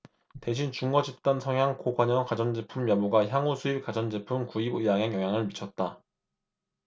대신 준거집단 성향 고관여가전제품 여부가 향후수입 가전제품 구입 의향에 영향을 미쳤다